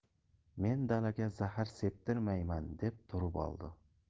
men dalaga zahar septirmayman deb turib oldim